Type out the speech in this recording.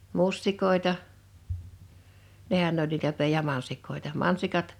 mustikoita nehän ne oli niitä - ja mansikoita